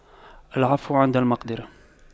العفو عند المقدرة